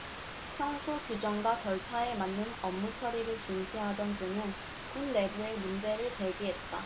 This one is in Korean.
평소 규정과 절차에 맞는 업무 처리를 중시하던 그는 군 내부에 문제를 제기했다